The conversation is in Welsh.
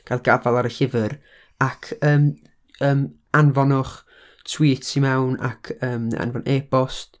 gael gafal ar y llyfr, ac, yym, yym, anfonwch tweets i mewn, ac yym anfon e-bost.